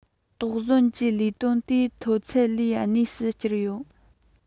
དོགས ཟོན གྱི ལས དོན དེ མཐོ ཚད ལས གནས སུ གྱར ཡོད